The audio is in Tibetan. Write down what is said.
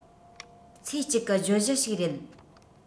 ཚེ གཅིག གི བརྗོད གཞི ཞིག རེད